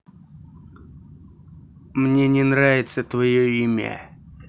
мне не нравится твое имя